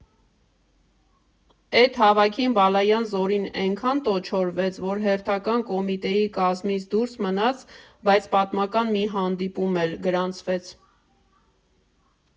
Էդ հավաքին Բալայան Զորին էնքան տոչորվեց, որ հերթական կոմիտեի կազմից դուրս մնաց, բայց պատմական մի հանդիպում էլ գրանցվեց.